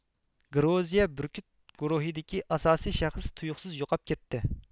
گرۇزىيە بۈركۈت گۇرۇھىدىكى ئاساسىي شەخس تۇيۇقسىز يوقاپ كەتتى